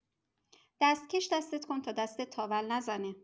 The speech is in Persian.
دستکش دستت کن تا دستت تاول نزنه!